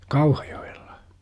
Kauhajoella